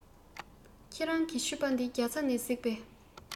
ཁྱེད རང གི ཕྱུ པ དེ རྒྱ ཚ ནས གཟིགས པས